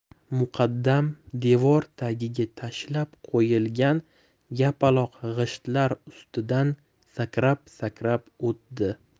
muqaddam devor tagiga tashlab qo'yilgan yapaloq g'ishtlar ustidan sakrab sakrab o'tdi